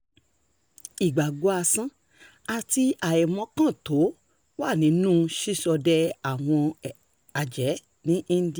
Ìgbàgbọ́-asán àti àìmọ̀kan tó wà nínú ṣíṣọde àwọn àjẹ́ ní India